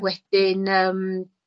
Wedyn yym